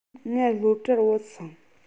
ང སློབ གྲྭར བུད སོང